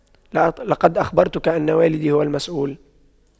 لقد أخبرتك ان والدي هو المسؤول